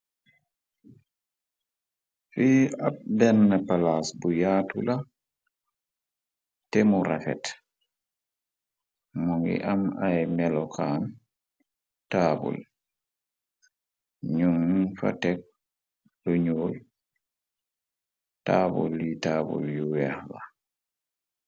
fi ab benn palaas bu yaatu la temu rafet mo ngi am ay melokaan taabul ñun fa tek lu ñuuy taabulyi taabul yu weex ba